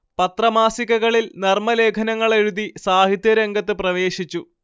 പത്രമാസികകളിൽ നർമലേഖനങ്ങളെഴുതി സാഹിത്യ രംഗത്ത് പ്രവേശിച്ചു